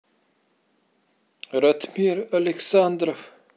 ратмир александров